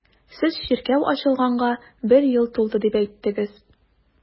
Сез чиркәү ачылганга бер ел тулды дип әйттегез.